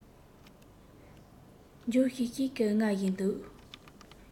མགྱོགས ཤིག ཤིག གིས རྔ བཞིན འདུག